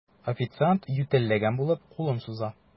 Официант, ютәлләгән булып, кулын суза.